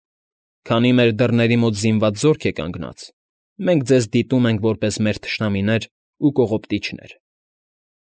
Քանի մեր դռների մոտ զինված զորք է կանգնած, մենք ձեզ դիտում ենք որպես մեր թշնամիներ ու կողոպտիչներ։